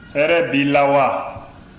hɛrɛ b'i la wa